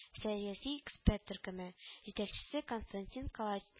Сәяси эксперт төркеме җитәкчесе константин кала